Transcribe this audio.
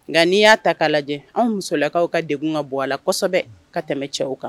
Nka n'i y'a ta k'a lajɛ an musolakaw ka de ka bɔ a la kosɛbɛ ka tɛmɛ cɛw kan